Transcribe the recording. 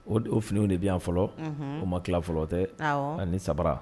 O o finiw de bɛ yan fɔlɔ o ma tila fɔlɔ tɛ ani sabaraw.